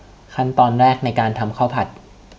ขั้นตอนแรกในการทำข้าวผัด